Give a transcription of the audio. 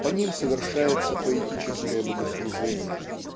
По ним совершается поэтическое богослужение.